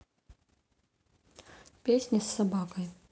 песни с собакой